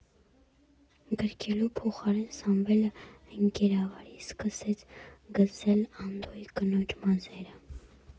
Գրկելու փոխարեն Սամվելը ընկերավարի սկսեց գզել Անդոյի կնոջ մազերը։